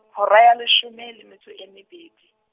hora ya leshome le metso e mebedi.